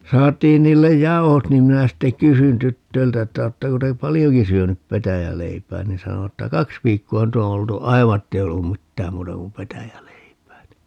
saatiin niille jauhot niin minä sitten kysyin tytöiltä että oletteko te paljonkin syönyt petäjäleipää niin sanoivat että kaksi viikkoa nyt on oltu aivan että ei ole ollut mitään muuta kuin petäjäleipää niin